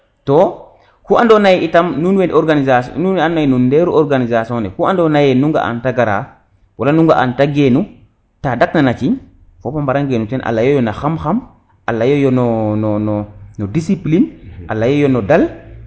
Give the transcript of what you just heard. to ku ando naye itam nuun wen organisation nuun we ando naye nuun nderu organisation ne ku ga ona ne ye nu nga an te gara wala nu nga an te geenu ta dak nana ciiñ fopa mbara ngenu ten a leyoyo no xam xam a leye yo no no no discipline a leye yo no dal